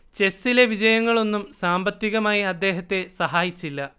ചെസ്സിലെ വിജയങ്ങളൊന്നും സാമ്പത്തികമായി അദ്ദേഹത്തെ സഹായിച്ചില്ല